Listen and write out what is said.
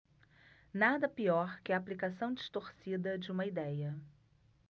nada pior que a aplicação distorcida de uma idéia